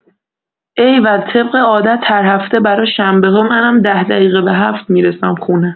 ایول طبق عادت هر هفته برا شنبه‌ها منم ۱۰ دقیقه به ۷ می‌رسم خونه